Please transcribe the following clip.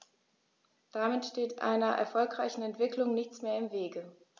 Damit steht einer erfolgreichen Entwicklung nichts mehr im Wege.